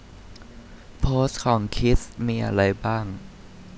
โพสต์ของคริสมีอะไรบ้าง